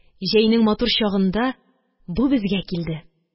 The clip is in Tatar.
Җәйнең матур чагында бу безгә килде.